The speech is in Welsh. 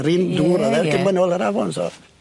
Yr un dŵr o'dd e cyn myn' nôl yr afon so...